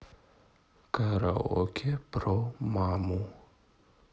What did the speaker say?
караоке про маму